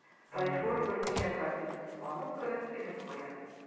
Тайфур берничә картинасын алып кереп элеп куя.